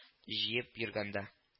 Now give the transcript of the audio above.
Җыеп йөргәндә